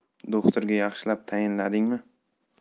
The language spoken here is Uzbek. do'xtirga yaxshilab tayinladingmi